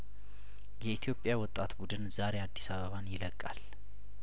የኢትዮጵያ ወጣት ቡድን ዛሬ አዲስ አበባን ይለቃል